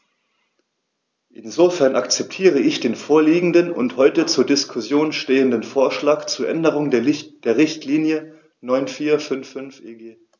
Insofern akzeptiere ich den vorliegenden und heute zur Diskussion stehenden Vorschlag zur Änderung der Richtlinie 94/55/EG.